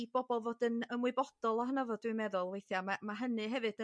i bobol fod yn ymwybodol ohono fo dwi'n meddwl weithia' ma' hynny hefyd yn